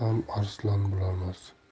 bo'lsa ham arslon bo'lolmas